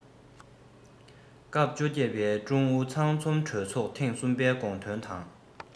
སྐབས བཅོ བརྒྱད པའི ཀྲུང ཨུ ཚང འཛོམས གྲོས ཚོགས ཐེངས གསུམ པའི དགོངས དོན དང